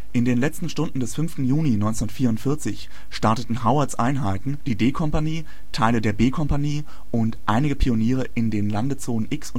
In den letzten Stunden des 5. Juni 1944 starteten Howards Einheiten, die D-Kompanie, Teile der B-Kompanie und einige Pioniere in den Landezonen X